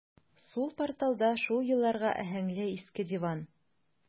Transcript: Сул порталда шул елларга аһәңле иске диван.